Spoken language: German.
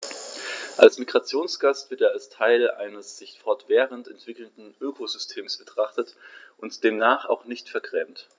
Als Migrationsgast wird er als Teil eines sich fortwährend entwickelnden Ökosystems betrachtet und demnach auch nicht vergrämt.